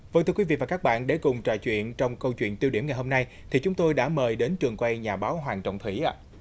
vâng thưa quý vị và các bạn để cùng trò chuyện trong câu chuyện tiêu điểm ngày hôm nay thì chúng tôi đã mời đến trường quay nhà báo hoàng trọng thủy ạ